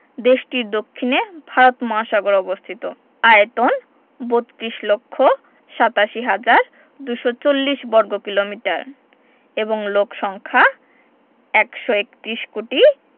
দেশটির দক্ষিণে ভারত মহাসাগর অবস্থিত আয়তন ৩২ লক্ষ ৮৭ হাজার ২৪০ বর্গ কিমি এবং লোক সংখ্যা ১৩১ কোটি